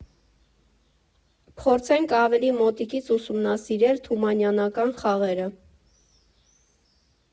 Փորձենք ավելի մոտիկից ուսումնասիրել թումանյանական խաղերը։